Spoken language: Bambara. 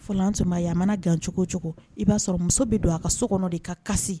Fɔ tun ma yamana gancogo cogo i b'a sɔrɔ muso bɛ don a ka so kɔnɔ de ka kasi